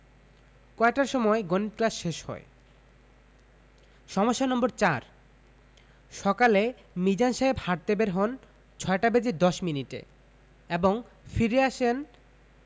কয়টার সময় গণিত ক্লাস শেষ হয় সমস্যা নম্বর ৪ সকালে মিজান সাহেব হাঁটতে বের হন ৬টা বেজে ১০ মিনিটে এবং ফিরে আসেন